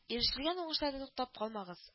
Ирешелгән уңышларда туктап калмагыз